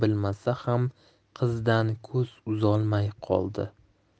bilmasa ham qizdan ko'z uzolmay qoldi